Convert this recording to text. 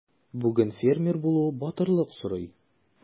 Бүген фермер булу батырлык сорый.